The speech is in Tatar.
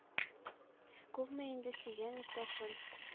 Күпме иде сөйгән иптәшем,